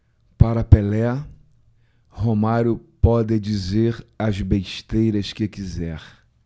para pelé romário pode dizer as besteiras que quiser